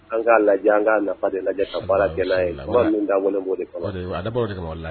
An k'a lajɛ , an k'a nafa de lajɛ ka baara kɛ n'a ye, kuma ninnu dabɔra o de kama, a dabɔra o de kama wallahi